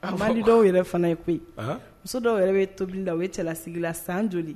Mali dɔw yɛrɛ fana ye koyi muso dɔw yɛrɛ bɛ tobili la o ye cɛlalasigi la san joli